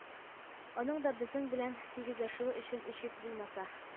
— аның да безнең белән тигезләшүе өчен эчик, булмаса